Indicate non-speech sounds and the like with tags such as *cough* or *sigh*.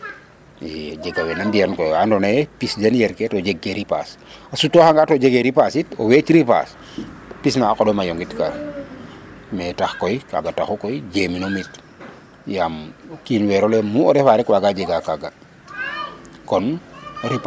i a jega we na mbiyan koy we ando naye pis den yer ke to jeg ke ripaas o suto xanga to ripaasit o weec ripaas pis na a qoɗomna yoŋit ka mais tax koy kaga taxu koy jeminum it yaam o kin wero leye mu o refa rek waga jega kaga *noise* kon ripa